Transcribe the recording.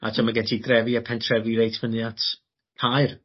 a t'mo' ma' gen ti drefi a pentrefi reit fyny at Caer